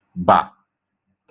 bà